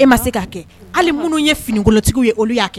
E ma se ka kɛ, hali minnu ye finikolontigiw ye, olu y'a kɛ.